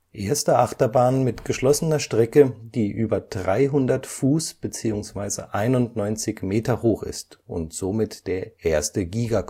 erste Achterbahn mit geschlossener Strecke, die über 91 Meter (300 Fuß) hoch ist (somit erster Giga Coaster